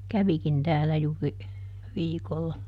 kävikin täällä juuri viikolla